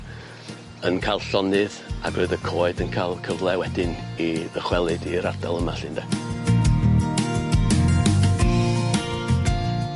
yn ca'l llonydd ag roedd y coed yn ca'l cyfle wedyn i ddychwelyd i'r ardal yma 'lly ynde?